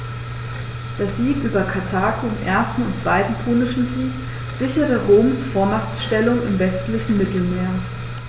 Der Sieg über Karthago im 1. und 2. Punischen Krieg sicherte Roms Vormachtstellung im westlichen Mittelmeer.